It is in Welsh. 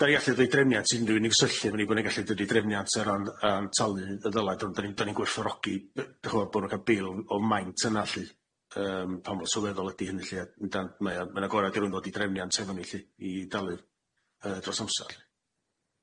'Da ni gallu dweu drefniant sy'n rywun i'w syllu efo ni bo' ni gallu dod i drefniant ar ran yy talu y ddylaid ond do'n ni'n do'n ni'n gwerthfawrogi b- d'ch'mo' bo' nw'n ca'l bil o maint yna lly yym pa mor sylweddol ydi hynny lly a yn dan mae o man agorad i ddod i drefniant hefo ni lly i dalu yy dros amser lly.